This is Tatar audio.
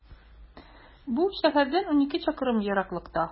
Бу шәһәрдән унике чакрым ераклыкта.